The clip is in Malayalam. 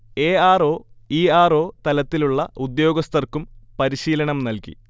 A. R. O., E. R. O. തലത്തിലുള്ള ഉദ്യോഗസ്ഥർക്കും പരിശീലനം നൽകി